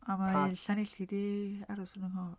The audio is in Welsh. O mae... pa? ...LLanelli 'di aros yn nghof.